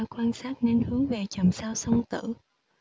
quan sát nên hướng về chòm sao song tử